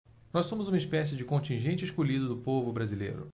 nós somos uma espécie de contingente escolhido do povo brasileiro